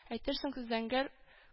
Әйтерсең зәңгәр